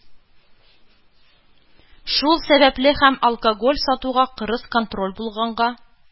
Шул сәбәпле һәм алкоголь сатуга кырыс контроль булганга